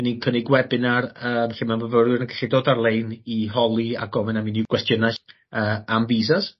'yn ni'n cynnig webinar yym lle ma' myfyrwyr yn gallu dod ar-lein i holi a gofyn am unryw gwestiyne yy am visas.